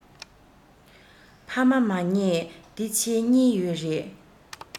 ཕ མ མ མཉེས འདི ཕྱི གཉིས ཡོད རེད